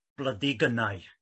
blydi gynnau.